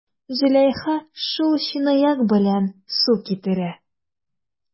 Зөләйха шул чынаяк белән су китерә.